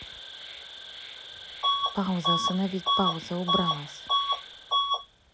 пауза усыновить пауза убралась